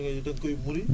chaque juróomi fan